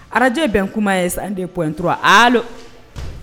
Arajɛ bɛn kuma ye san de ptura hali